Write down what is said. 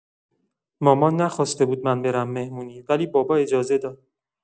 مامان نخواسته بود من برم مهمونی ولی بابا اجازه داد.